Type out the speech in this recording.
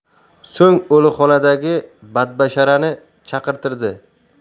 so'ng o'likxonadagi badbasharani chaqirtirdi